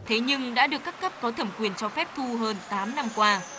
thế nhưng đã được các cấp có thẩm quyền cho phép thu hơn tám năm qua